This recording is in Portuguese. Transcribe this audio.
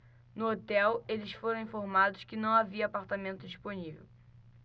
no hotel eles foram informados que não havia apartamento disponível